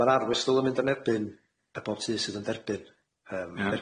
Ma' 'na yn mynd yn erbyn y bob tŷ sydd yn derbyn yym